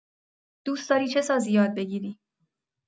دوست‌داری چه سازی یاد بگیری؟